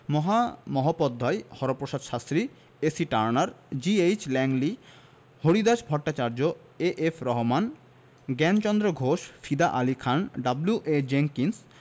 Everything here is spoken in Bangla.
Mahamahopadhyay Haraprasad Shastri A C Turner G H Langley Haridas Bhattacharya A F Rahman Gyanchandra Ghosh Fida Ali Khan W A Jenkins